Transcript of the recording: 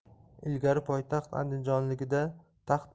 ilgari poytaxt andijondaligida taxt